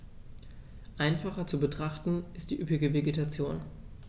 Einfacher zu betrachten ist die üppige Vegetation.